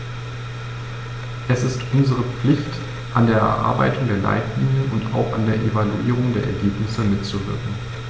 Es ist unsere Pflicht, an der Erarbeitung der Leitlinien und auch an der Evaluierung der Ergebnisse mitzuwirken.